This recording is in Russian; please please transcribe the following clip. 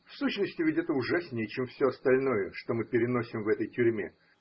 В сущности, ведь это ужаснее, чем все остальное, что мы переносим в этой тюрьме.